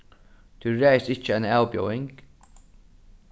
tú ræðist ikki eina avbjóðing